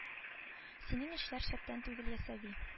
Синең эшләр шәптән түгел ясәви